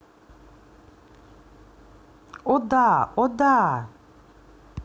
о да о да